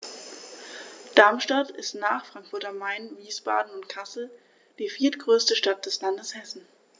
Darmstadt ist nach Frankfurt am Main, Wiesbaden und Kassel die viertgrößte Stadt des Landes Hessen